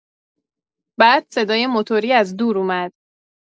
بعد صدای موتوری از دور اومد.